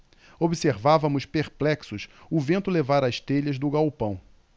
observávamos perplexos o vento levar as telhas do galpão